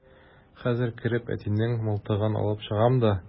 Хәзер кереп әтинең мылтыгын алып чыгам да...